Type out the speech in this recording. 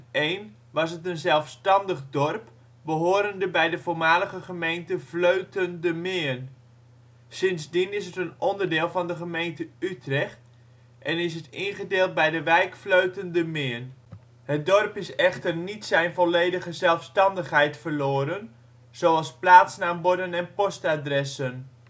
2001 was het een zelfstandig dorp behorende bij de voormalige gemeente Vleuten-De Meern. Sindsdien is het een onderdeel van de gemeente Utrecht en is het ingedeeld bij de wijk Vleuten-De Meern. Het dorp heeft echter niet zijn volledige zelfstandigheid verloren, zoals plaatsnaamborden en postadressen